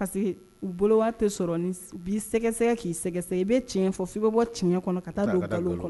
Parceque u bolo wari tɛ sɔrɔ. U bi sɛgɛsɛgɛ ki sɛgɛsɛgɛ i bɛ tiɲɛ fi bɛ bɔ tiɲɛ kɔnɔ ka taa don galon na.